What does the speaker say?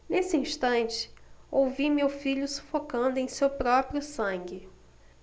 nesse instante ouvi meu filho sufocando em seu próprio sangue